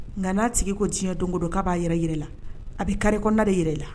Nka n'a sigi ko tiɲɛ don don k' b'a yɛrɛ yɛrɛ la a bɛ karikna de yɛrɛ la